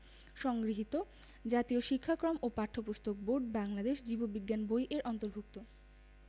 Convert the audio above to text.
সংগৃহীত জাতীয় শিক্ষাক্রম ও পাঠ্যপুস্তক বোর্ড বাংলাদেশ জীব বিজ্ঞান বই এর অন্তর্ভুক্ত